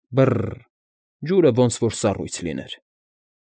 Բը֊ռ֊ռ, ջուրը ոնց որ սառույց լիներ։